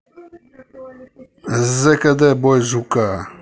зкд бой жука